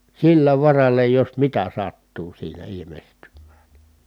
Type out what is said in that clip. sillä varalla jos mitä sattuu siinä ilmestymään